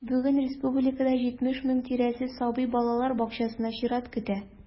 Бүген республикада 70 мең тирәсе сабый балалар бакчасына чират көтә.